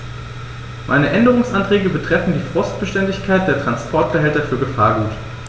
Meine Änderungsanträge betreffen die Frostbeständigkeit der Transportbehälter für Gefahrgut.